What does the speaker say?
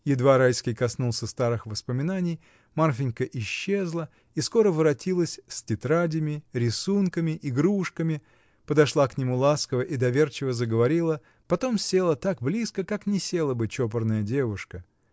Едва Райский коснулся старых воспоминаний, Марфинька исчезла и скоро воротилась с тетрадями, рисунками, игрушками, подошла к нему ласково и доверчиво заговорила, потом села так близко, как не села бы чопорная девушка.